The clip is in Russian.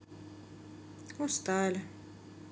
устали